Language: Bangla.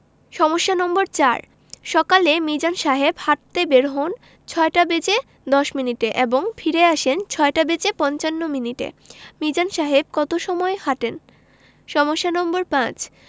সমস্যা নম্বর ৪ সকালে মিজান সাহেব হাঁটতে বের হন ৬টা বেজে ১০ মিনিটে এবং ফিরে আসেন ৬টা বেজে পঞ্চান্ন মিনিটে মিজান সাহেব কত সময় হাঁটেন সমস্যা নম্বর ৫